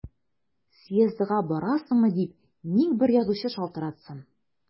Съездга барасыңмы дип ник бер язучы шалтыратсын!